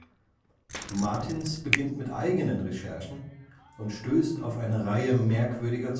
Martins beginnt mit eigenen Recherchen und stößt auf eine Reihe merkwürdiger